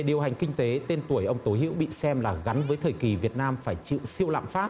điều hành kinh tế tên tuổi ông tố hữu bị xem là gắn với thời kỳ việt nam phải chịu siêu lạm phát